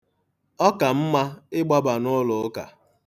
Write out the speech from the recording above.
Ọ ka mma ịgbaba n'ụlọụka.